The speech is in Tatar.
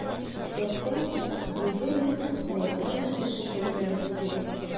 Мәктәптә бүген үк мәйдан җитешеп бетмәве сизелә.